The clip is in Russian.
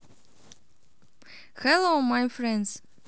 hello my friends